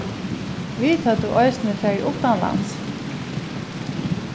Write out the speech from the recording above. vit høvdu eisini farið uttanlands